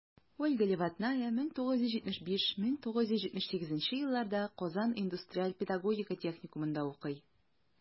Ольга Левадная 1975-1978 елларда Казан индустриаль-педагогика техникумында укый.